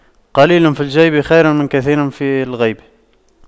قليل في الجيب خير من كثير في الغيب